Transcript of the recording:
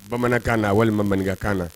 Bamanankan na walima maninkakan na.